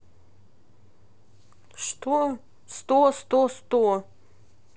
что сто сто сто